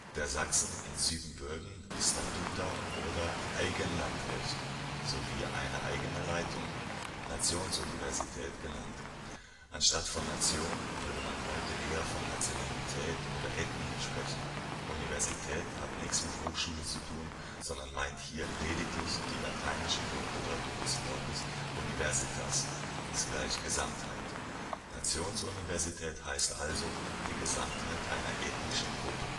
Der Sachsen in Sybenbürgen STATUTA oder Eygenlandrecht) sowie eine eigene Leitung, „ Nationsuniversität “genannt. (Anstatt von „ Nation “würde man heute eher von Nationalität oder „ Ethnie “sprechen; „ Universität “hat nichts mit „ Hochschule “zu tun, sondern meint hier lediglich die lateinische Grundbedeutung des Wortes „ universitas “= Gesamtheit; „ Nationsuniversität “heißt also: die Gesamtheit einer ethnischen Gruppe